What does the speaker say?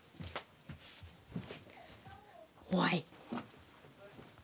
ой